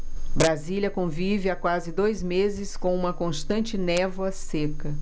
brasília convive há quase dois meses com uma constante névoa seca